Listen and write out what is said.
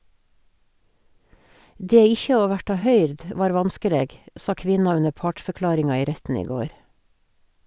Det ikkje å verta høyrd var vanskeleg, sa kvinna under partsforklaringa i retten i går.